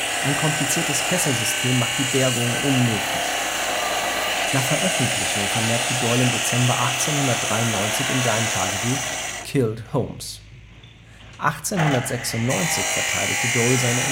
Ein kompliziertes Kesselsystem macht die Bergung unmöglich. Nach Veröffentlichung vermerkte Doyle im Dezember 1893 in seinem Tagebuch " Killed Holmes ". 1896 verteidigte Doyle seine